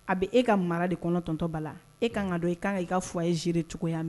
A bɛ e ka mara de kɔnɔntɔntɔba la e ka kan ka don i ka kan ka' ka fɔ ye ziiri cogoyaya min